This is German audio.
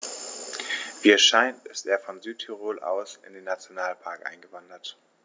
Wie es scheint, ist er von Südtirol aus in den Nationalpark eingewandert.